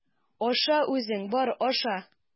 Аша үзең, бар, аша!